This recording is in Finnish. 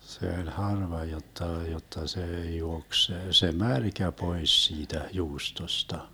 se oli harva jotta jotta se juoksi se se märkä pois siitä juustosta